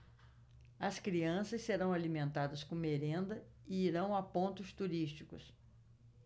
as crianças serão alimentadas com merenda e irão a pontos turísticos